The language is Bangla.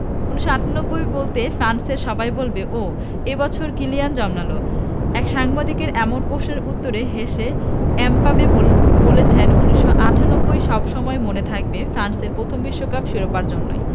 ১৯৯৮ বলতে ফ্রান্সের সবাই বলবে ওহ্ যে বছর কিলিয়ান জন্মাল এক সাংবাদিকের এমন প্রশ্নের উত্তরে হেসে এমবাপ্পে বলেছেন ১৯৯৮ সব সময়ই মনে থাকবে ফ্রান্সের প্রথম বিশ্বকাপ শিরোপার জন্যই